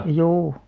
juu